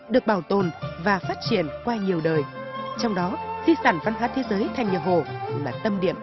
được bảo tồn và phát triển qua nhiều đời trong đó di sản văn hóa thế giới thành nhà hồ là tâm điểm